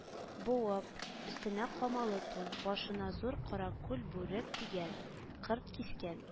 Буып, өстенә камалы тун, башына зур каракүл бүрек кигән; кырт кискән